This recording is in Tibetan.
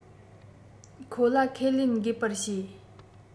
ཁོ ལ ཁས ལེན དགོས པར བྱས